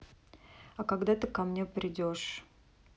а когда ты ко мне придешь